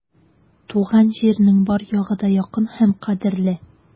Туган җирнең бар ягы да якын һәм кадерле.